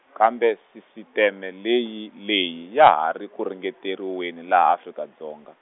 kambe sisiteme leyi leyi ya ha ri ku ringeteriweni laha Afrika Dzonga.